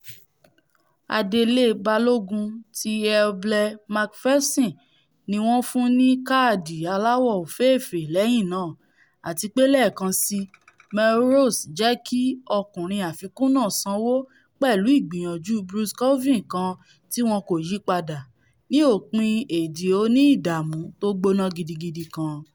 Adele balógun ti Ayr Blair Macpherson niwọ́n fún ní káàdì aláwọ̀ òfééèfé lẹ́yìn náà, àtipé lẹ́ẹ̀kan síi, Melrose jẹ́kì ọkùnrin àfikún náà sanwó pẹ̀lú ìgbìyànjú Bruce Colvine kan tíwọn kò yípadà, ní òpin èèdi oní-ìdààmu tó gbóná gidigidi kan.